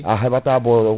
a heeɓata bon